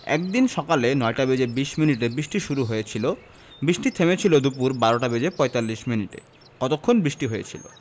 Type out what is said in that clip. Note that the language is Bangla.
একদিন সকালে ৯টা বেজে ২০ মিনিটে বৃষ্টি শুরু হয়েছিল বৃষ্টি থেমেছিল দুপুর ১২টা বেজে ৪৫ মিনিটে কতক্ষণ বৃষ্টি হয়েছিল